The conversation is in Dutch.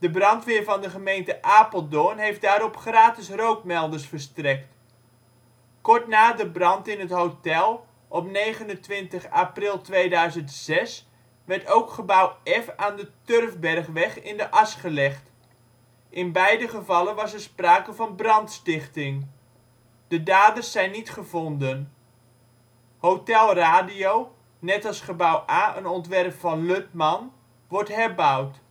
brandweer van de gemeente Apeldoorn heeft daarop gratis rookmelders verstrekt. Kort na de brand in het Hotel, op 29 april 2006, werd ook Gebouw F aan de Turfbergweg in de as gelegd. In beide gevallen was er sprake van brandstichting. De daders zijn niet gevonden. Hotel Radio (net als Gebouw A een ontwerp van Luthmann) wordt herbouwd